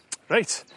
Reit